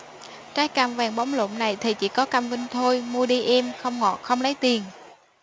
trái cam vàng bóng lộn này thì chỉ có cam vinh thôi mua đi em không ngọt không lấy tiền